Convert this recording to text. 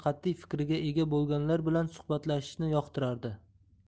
qat'iy fikriga ega bo'lganlar bilan suhbatlashishni yoqtirardi